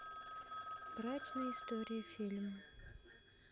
брачная история фильм